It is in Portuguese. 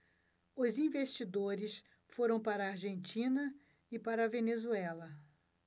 os investidores foram para a argentina e para a venezuela